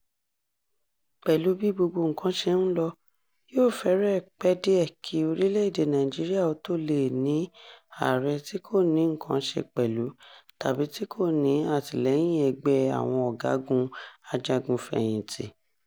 Pẹ̀lú bí gbogbo nǹkan ṣe ń lọ, yóò fẹ́rẹ̀ẹ́ pẹ́ díẹ̀ kí orílẹ̀-èdè Nàìjíríà ó tó le è ní Ààrẹ tí kò ní nǹkan ṣe pẹ̀lú, tàbí tí kò ní àtìlẹ́yìn "ẹgbẹ́ " àwọn ọ̀gágun ajagun fẹ̀yìntì.